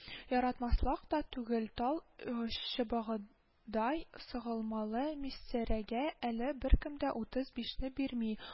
Яратмаслык та түгел, тал чыбыгыдай сыгылмалы Миссәрәгә әле беркем дә утыз бишне бирми